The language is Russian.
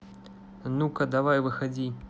а ну ка давай выходи